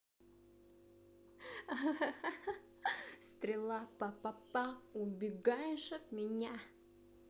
ха ха ха ха ха стрела па па па убегаешь от меня